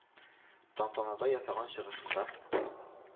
Тантанада ясаган чыгышында